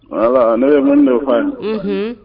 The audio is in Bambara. Ayiwa ne ye man dɔfan ye